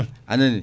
anani